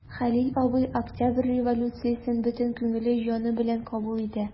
Хәлил абый Октябрь революциясен бөтен күңеле, җаны белән кабул итә.